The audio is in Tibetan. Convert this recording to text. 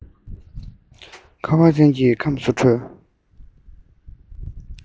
ཁ བ ཅན གྱི ཁམས སུ འཕྲོས